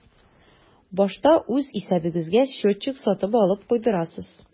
Башта үз исәбегезгә счетчик сатып алып куйдырасыз.